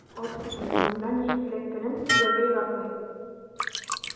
Аз сүзле, монда ничек эләккәнен сөйләргә яратмый.